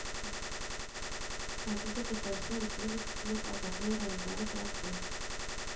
Победа Татарстан Республикасының Азнакай районындагы торак пункт